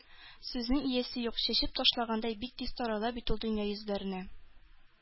Сүзнең иясе юк, чәчеп ташлагандай, бик тиз тарала бит ул дөнья йөзләренә.